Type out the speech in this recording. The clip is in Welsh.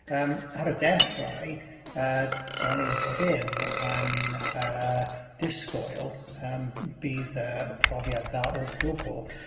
Yym ar y dechrau yy do'n i ddim yn yy disgwyl yym bydd y profiad dda o gwbl.